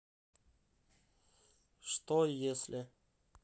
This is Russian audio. что если